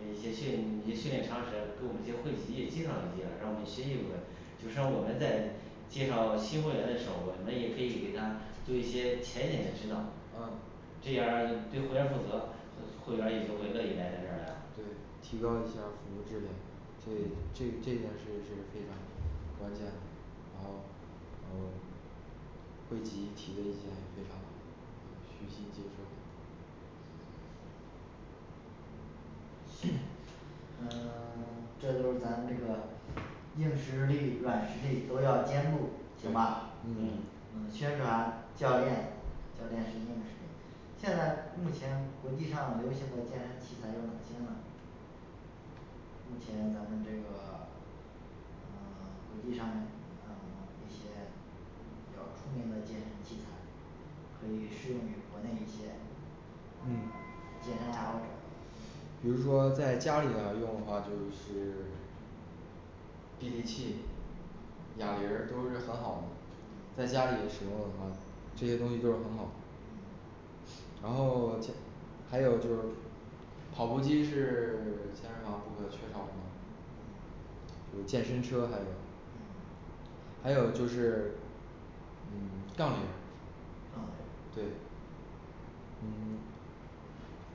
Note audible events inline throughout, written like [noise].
呃一些训一些训练常识给我们这些会籍也介绍一些让我们这些业务人就像我们在介绍新会员的时候，我们也可以给他做一些浅显的指导&啊&这样儿对会员儿负责，会会员儿也就会乐意来咱这儿来了对提高一下儿服务质量。这这这件事是非常关键的然后嗯。会籍提的意见也非常虚心接受。行。嗯 [silence] 这都是咱们这个硬实力软实力都要兼顾行吧嗯嗯嗯宣传教练教练是硬实力。现在目前国际上流行的健身器材有哪些呢目前咱们这个嗯国际上呃一些比较出名的健身器材，可以适用于国内一些嗯健身爱好者比如说在家里要用的话就是臂力器，哑铃儿都是很好的在家里使用的话，这些东西都是很好的然后健还有就是跑步机是健身房不可缺少的嘛就是健身车还有还有就是嗯杠铃儿。杠铃儿对。&嗯&嗯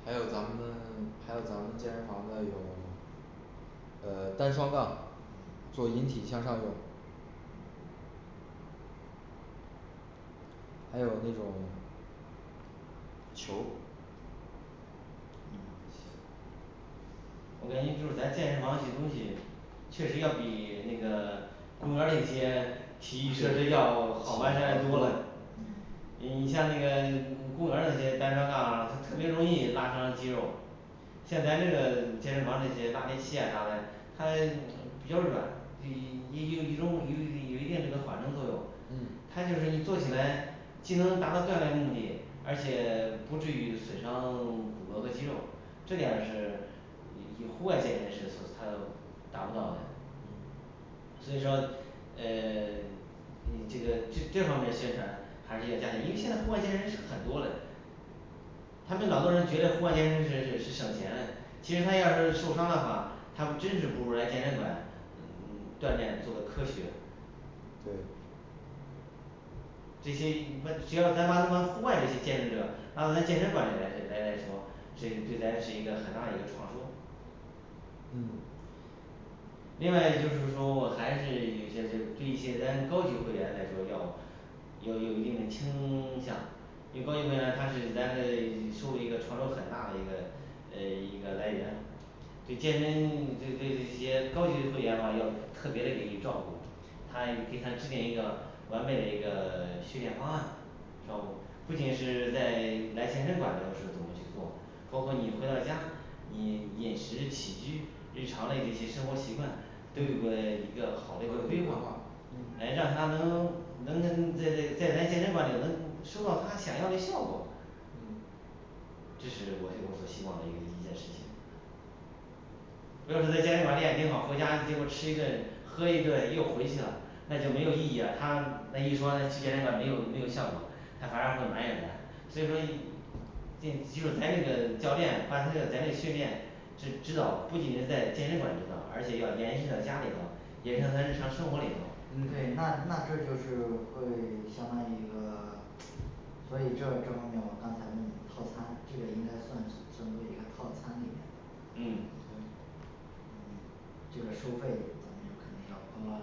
还有咱们 [silence] 还有咱们健身房的有呃单双杠，做引体向上用还有那种球儿嗯行我感觉就是咱健身房这些东西确实要比那个公园儿里那些体育设施要好玩的多了。嗯你像那个公园儿那些单双杠特别容易拉伤肌肉像咱这个健身房这些拉力器啊啥的，它比较软，就一一有一种有 [unintelligible] 有 [unintelligible] 有一定这个缓冲作用。嗯它就是你做起来既能达到锻炼目的，而且不至于损伤骨骼和肌肉，这点儿是以户外健身是所他达不到的嗯所以说呃 [silence] 嗯这个这这方面的宣传还是要加强，因为现在户外健身很多嘞他们老多人觉得户外健身是省钱的嘞，其实他要是受伤的话，他们真是不如来健身馆锻炼做的科学。对这些你把只要单单去户外的健身者拉到咱们健身馆里来来说，这对咱是一个很大嘞一个创收嗯另外就是说我还是有些是对一些咱高级会员来说叫有有一定的倾 [silence] 向，因为高级会员他是在 [silence] 树立一个潮流很大的一个呃一个来源对健身对对这些高级会员吧要特别的给予照顾，他给他制定一个完美嘞一个训练方案还有不仅是在来健身馆的时候怎么去做，包括你回到家，你饮食起居日常嘞这些生活习惯都有个一个好嘞个规规划划哎让他能能在这在咱健身馆里能收到他想要嘞效果嗯这是我最我所希望嘞一件事情不要说在健身房练挺好，回家结果吃一顿喝一顿又回去了，那就没有意义了他那一说去健身房没有没有效果，他反而会埋怨咱，所以说一进洗手台这个教练把那个咱这个训练指指导，不仅是在健身馆指导，而且要延伸到家里头，延伸到日常生活里头对，那那这就是会相当于一个所以这这方面我刚才用套餐这个应该算是针对一个套餐里面嗯嗯嗯这个收费咱们就肯定要高啦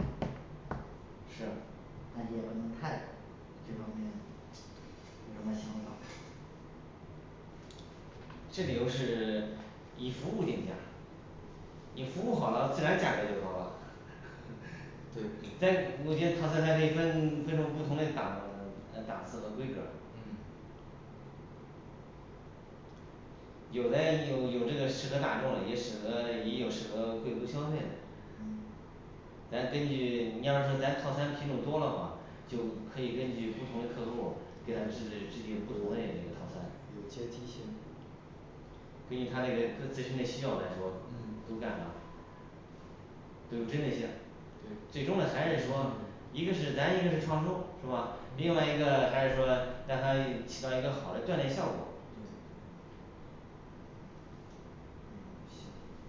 &是&但是也不能太高这方面有什么想法这里都是以服务定价，你服务好了自然价格就高了对在我觉得套餐它可以分分成不同的档呃档次和规格儿嗯有的有有这个适合大众的，也适合也有适合贵族消费嘞。嗯咱根据你要是说咱套餐品种多了话，就可以根据不同的客户给他制定不同的套餐有阶梯性根据他这个自自身的需要来说嗯都干啥组织那些对最终呢还是说咱一个是创收是吧另外一个还是说让他起到一个好的锻炼效果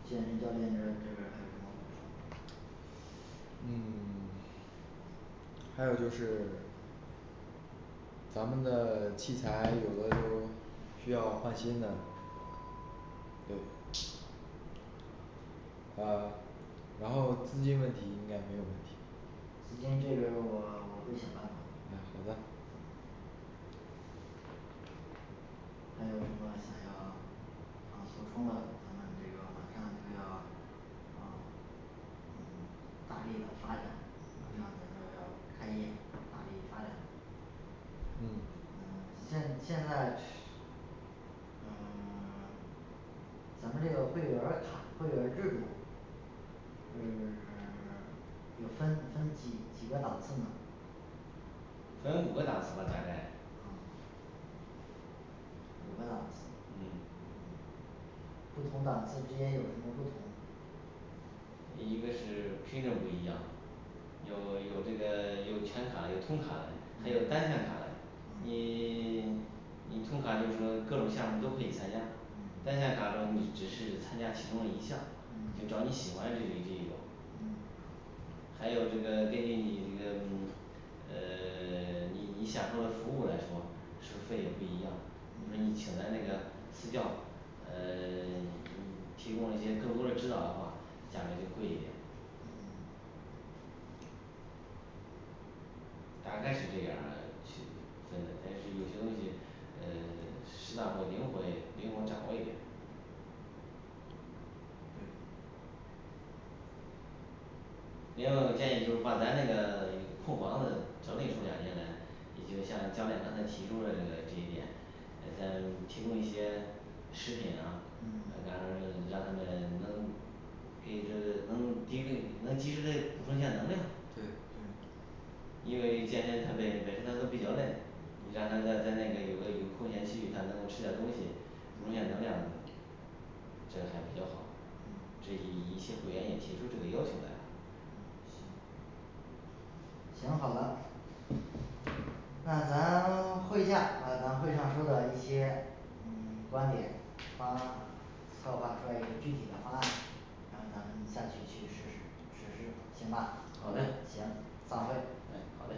健身教练这儿这边儿还有什么补充嗯还有就是咱们的器材有的就需要换新的对，把然后资金问题应该没有问题资金这边儿我 [silence] 会想办法的嗯好的还有什么想要啊补充的，咱们这个马上就要嗯大力的发展，马上咱就要开业大力发展。嗯嗯现现在是 [unintelligible] 呃 [silence] 咱们这个会员儿卡会员儿制度是 [silence] 有分分几几个档次呢分五个档次吧大概五个五个档次嗯不同档次之间有什么不同一个是品种不一样有有那个有全卡有通卡的，还有单项卡的，你 [silence] 你通卡就是说各种项目都可以参加单项卡你只是参加其中一项，就找嗯你喜欢的就就有嗯还有这个根据你个嗯呃 [silence] 你你享受的服务来说收费也不一样，就是你请咱这个私教呃 [silence] 嗯提供一些更多的指导的话价格就贵一点嗯大概是这样儿去分，但是有些东西呃适当会灵活一点，灵活掌握一点。对另外我建议就是把咱那个库房的整理出两间来，也就像教练刚才提出的这个这一点，嗯咱提供一些食品啊嗯咱们让他们能给这能抵 [unintelligible] 给能及时嘞补充一下能量对对因为健身太累，男生他都比较累，让他在在那里有有个空闲区域，他能够吃点儿东西，补充下能量这个还比较好。这嗯一些会员也提出这个要求来了行好了。那咱 [silence] 会下把咱会上说的一些嗯 [silence] 观点方案策划出来一个具体的方案，然后咱们下去去实施实施，行吧好嘞行散会诶好嘞好的